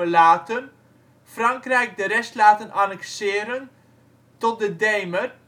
laten, Frankrijk de rest laten annexeren tot de Demer